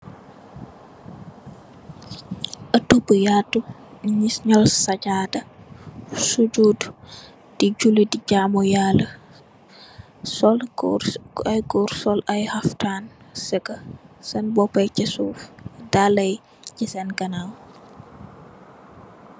Utto bu yatu nyung ci lal sajaada di sujood di jamu yalla sol kuruss. Sop ay xhaftan segga seen bopa yi ci suuf, dalla yi ci seen kanam.